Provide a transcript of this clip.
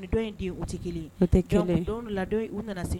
Nin dɔn in den u te 1 ye u te 1 ye donc dondɔla dɔn in u nana se